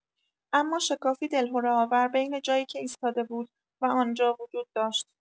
اما شکافی دلهره‌آور بین جایی که ایستاده بود و آنجا وجود داشت.